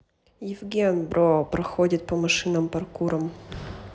евген бро проходит по машинам паркуром